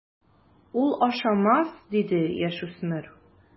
Ул ашамас, - диде яшүсмер.